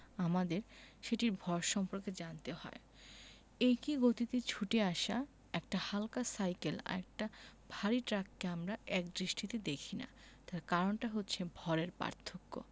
আমাদের সেটির ভর সম্পর্কে জানতে হয় একই গতিতে ছুটে আসা একটা হালকা সাইকেল আর একটা ভারী ট্রাককে আমরা একদৃষ্টিতে দেখি না তার কারণটা হচ্ছে ভরের পার্থক্য